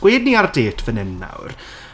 Gweud ni ar dêt fan hyn nawr.